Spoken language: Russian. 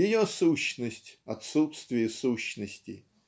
Ее сущность - отсутствие сущности.